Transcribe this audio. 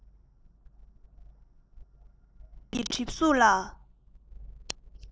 ཁྱོད ཀྱི གྲིབ གཟུགས ལ